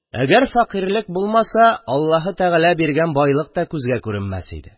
Әгәр фәкыйрьлек булмаса, Аллаһы Тәгалә биргән байлык та күзгә күренмәс иде.